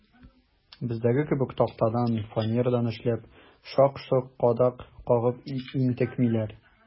Бездәге кебек тактадан, фанерадан эшләп, шак-шок кадак кагып интекмиләр.